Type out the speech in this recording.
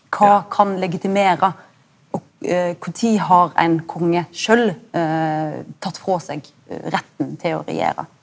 kva kan legitimera kor tid har ein konge sjølv tatt frå seg retten til å regjera?